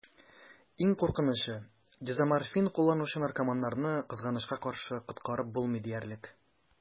Иң куркынычы: дезоморфин кулланучы наркоманнарны, кызганычка каршы, коткарып булмый диярлек.